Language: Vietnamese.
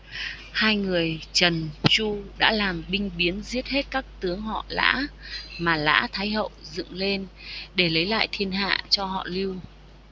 hai người trần chu đã làm binh biến giết hết các tướng họ lã mà lã thái hậu dựng lên để lấy lại thiên hạ cho họ lưu